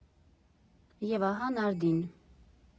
Եվ ահա նարդին։